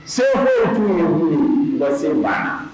Se h ye kun yekun nka se wa